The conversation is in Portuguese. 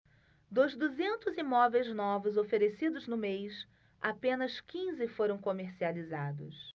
dos duzentos imóveis novos oferecidos no mês apenas quinze foram comercializados